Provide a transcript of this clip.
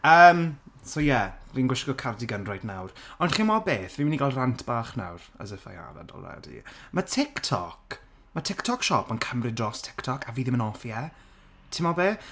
Yym so ie, fi'n gwisgo cardigan reit nawr ond, chimo beth? fi'n mynd i gael rant bach nawr as if I haven't already ma' TikTok... ma' TikTok Shop yn cymryd dros TikTok a fi ddim yn hoffi e? Timo be?